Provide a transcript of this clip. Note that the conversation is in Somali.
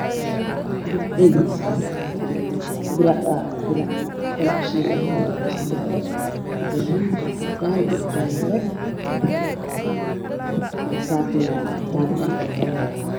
Dilac io garbasar dilac waa dilac iskudarsan balug cadan jale gabasarakan waa cadan io baluug